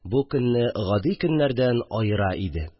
Бу көнне гади көннәрдән аера иде